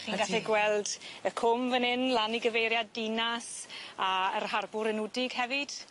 gweld y cwm fyn 'yn lan i gyfeiriad Dinas a yr harbwr yn Wdig hefyd.